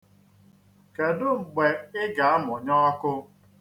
Kedu mgbe ị ga-amụnye ọkụ?